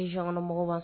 I jankɔnɔ mɔgɔ